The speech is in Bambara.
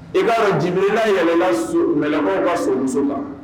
I b'a j ila yɛlɛ mɛbɔw ka so muso ma